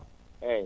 eeyi